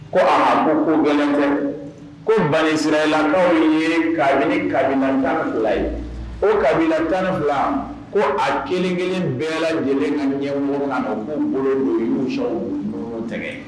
Ko bani sarayila kaw ye kabila 12 y, o kabila 12, a kelen kelen bɛɛ lajɛlen ka ɲɛ u k'u bolo